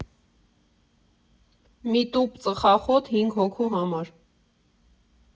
Մի տուփ ծխախոտ՝ հինգ հոգու համար։